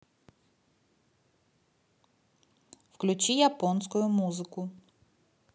включи японскую музыку